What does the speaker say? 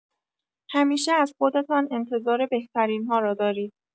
همیشه از خودتان انتظار بهترین‌ها را دارید.